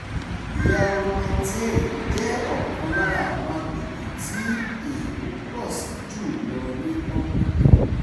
Yau Ma Tei jẹ́ ọ̀kan lára àwọn agbègbè tí èró pọ̀ sí jù lọ ní Hong Kong.